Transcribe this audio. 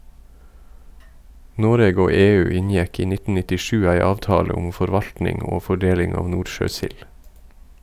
Noreg og EU inngjekk i 1997 ei avtale om forvaltning og fordeling av nordsjøsild.